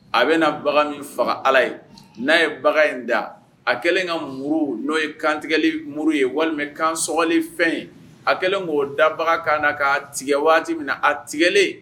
A bɛna na bagan min faga ala ye n'a ye bagan in da a kɛlen ka muru n'o ye kantigɛli muru ye walima kan soli fɛn ye a kɛlen k'o dabaga kan'a ka tigɛ waati min na a tigɛlen